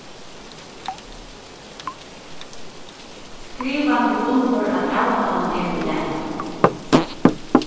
skriva til gunnvør at avtalan er í lagi